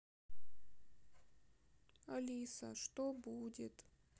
алиса что будет